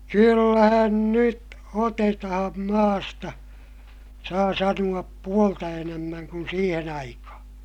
kyllähän nyt otetaan maasta saa sanoa puolta enemmän kuin siihen aikaan